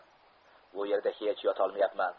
bu yerda hech yotolmayapman